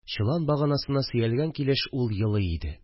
Чолан баганасына сөялгән килеш ул елый иде